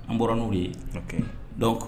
An bɔra n'o ye, ok, donc